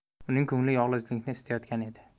uning ko'ngli yolg'izlikni istayotgan edi